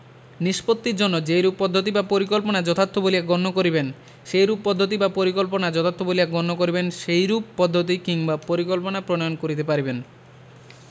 নিষ্পত্তির জন্য যেইরূপ পদ্ধতি বা পরিকল্পনা যথার্থ বলিয়া গণ্য করিবেন সেইরূপ পদ্ধতি বা পরিকল্পনা যথার্থ বলিয়া গণ্য করিবেন সেইরূপ পদ্ধতি কিংবা পরিকল্পনা প্রণয়ন করিতে পারিবেন